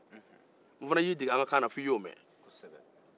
n fana y'i dege an ka kan na fo i y'o mɛn